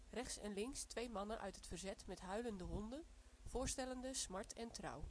Rechts en links twee mannen uit het verzet met huilende honden, voorstellende smart en trouw